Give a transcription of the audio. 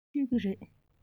མཆོད ཀྱི རེད